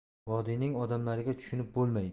vodiyning odamlariga tushunib bo'lmaydi